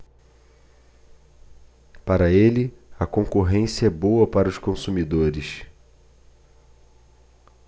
para ele a concorrência é boa para os consumidores